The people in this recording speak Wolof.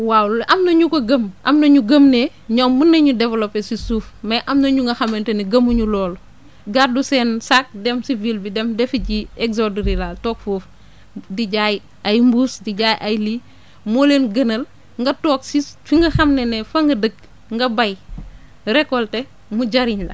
waaw am na ñu ko gëm am na ñu gëm ne ñoom mun nañu développé si suuf mais am na ñu nga xamante ne gëmuñu loolu gàddu seen saag dem si ville bi dem defi ji exode rural toog foofu di jaay ay mbuus di jaay ay lii moo leen gënal nga toog si fi nga xam ne ne fa nga dëkk nga béy récolter mu jëriñ la